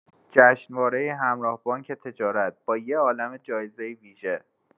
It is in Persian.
جشنواره همراه بانک تجارت با یه عالمه جایزه ویژه